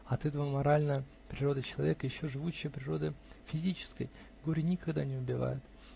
От этого моральная природа человека еще живучее природы физической. Горе никогда не убивает.